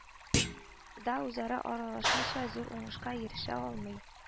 Да үзара аралашмыйча зур уңышка ирешә алмый